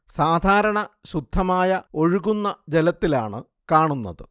സാധാരണ ശുദ്ധമായ ഒഴുകുന്ന ജലത്തിലാണു കാണുന്നത്